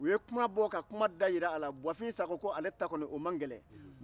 u ye kuma bɔ ka kuma da jira a la buwafin sakɔ ko k'ale ta kɔni o man gɛlɛn